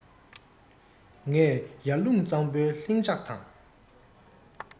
ངས ཡར ཀླུང གཙང པོའི ལྷིང འཇགས དང